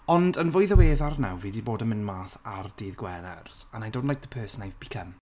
Ond, yn fwy ddiweddar nawr, fi 'di bod yn mynd mas ar Dydd Gweners and I don't like the person I've become.